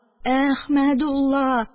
Әхмәдулла!